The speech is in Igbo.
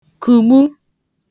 kụ̀gbu